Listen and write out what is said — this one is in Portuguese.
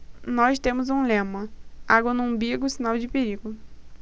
nós temos um lema água no umbigo sinal de perigo